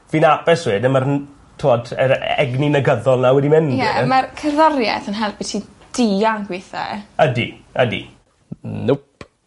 fi'n apus wedyn ma'r n- t'mod yr egni negyddol 'na wedi mynd wedyn. Ie ma' cerddorieth yn helpu ti dianc withie. Ydi ydi. Nope.